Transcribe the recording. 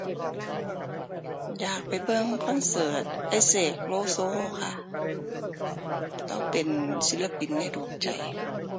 อยากไปเบิ่งคอนเสิร์ตอ้ายเสก LoSo ค่ะ เลาเป็นศิลปินในดวงใจ